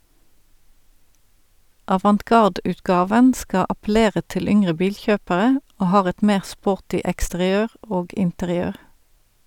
Avantgarde-utgaven skal appellere til yngre bilkjøpere og har et mer sporty eksteriør og interiør.